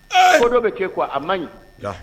Ko dɔ bɛ kɛ kuwa a man ɲi